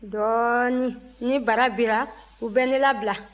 dɔɔnin ni bara bira u bɛ ne labila